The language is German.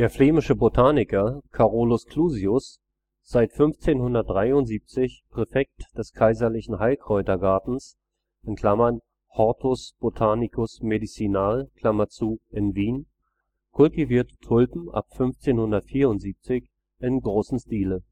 flämische Botaniker Carolus Clusius, seit 1573 Präfekt des Kaiserlichen Heilkräutergartens (Hortus botanicus medicinae) in Wien, kultivierte Tulpen ab 1574 in großem Stile